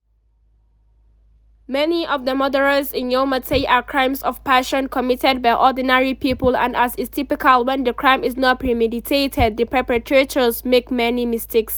Many of the murders in Yau Ma Tei are crimes of passion committed by ordinary people, and as is typical when the crime is not premeditated, the perpetrators make many mistakes.